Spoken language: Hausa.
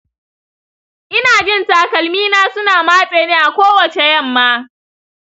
ina jin takalmina suna matse ni a kowace yamma.